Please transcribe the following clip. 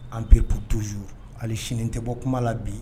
Anpir pour toujours hali sini n tɛ bɔ kuma la bi